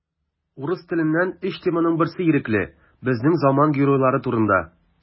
Урыс теленнән өч теманың берсе ирекле: безнең заман геройлары турында.